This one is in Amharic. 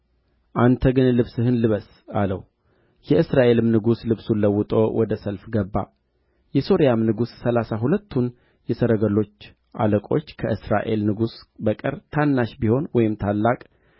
አንተ ግን ልብስህን ልበስ አለው የእስራኤልም ንጉሥ ልብሱን ለውጦ ወደ ሰልፍ ገባ የሶርያም ንጉሥ ሠላሳ ሁለቱን የሰረገሎች አለቆች ከእስራኤል ንጉሥ በቀር ታናሽ ቢሆን ወይም ታላቅ